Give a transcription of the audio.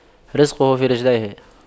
رِزْقُه في رجليه